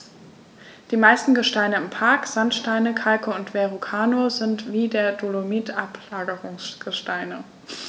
Die meisten Gesteine im Park – Sandsteine, Kalke und Verrucano – sind wie der Dolomit Ablagerungsgesteine.